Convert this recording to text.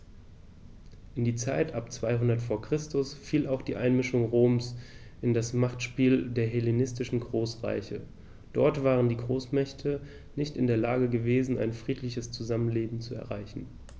In die Zeit ab 200 v. Chr. fiel auch die Einmischung Roms in das Machtspiel der hellenistischen Großreiche: Dort waren die Großmächte nicht in der Lage gewesen, ein friedliches Zusammenleben zu erreichen.